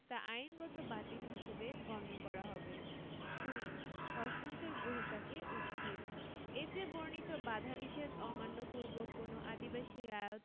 তা আইনত বাতিল হিসেবে গণ্য করা হবে ২ হস্তান্তর গ্রহীতাকে উচ্ছেদ এতে বর্ণিত বাধানিষেধ অমান্যপূর্বক কোন আদিবাসী রায়ত